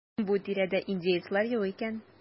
Бу тирәдә индеецлар юк икән.